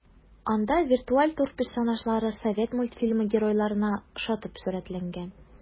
Анда виртуаль тур персонажлары совет мультфильмы геройларына охшатып сурәтләнгән.